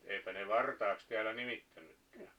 eipä ne vartaaksi täällä nimittänytkään